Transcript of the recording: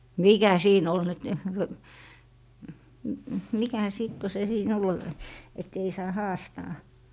mikä siinä oli nyt mikä sitten kun se siinä oli että ei saa haastaa